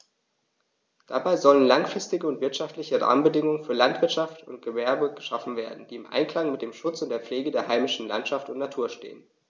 Dabei sollen langfristige und wirtschaftliche Rahmenbedingungen für Landwirtschaft und Gewerbe geschaffen werden, die im Einklang mit dem Schutz und der Pflege der heimischen Landschaft und Natur stehen.